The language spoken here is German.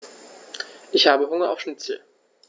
Ich habe Hunger auf Schnitzel.